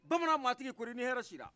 bamanan mɔgɔ tigi kɔni i ni hɛrɛ sila